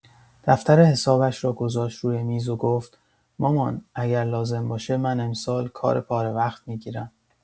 دفتر حسابش را گذاشت روی میز و گفت مامان اگر لازم باشه من امسال کار پاره‌وقت می‌گیرم.